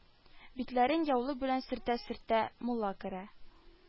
Битләрен яулык белән сөртә-сөртә, Мулла керә